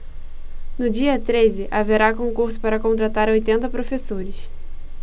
no dia treze haverá concurso para contratar oitenta professores